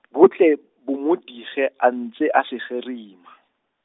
bo tle, bo mo dige a ntse a se gerima.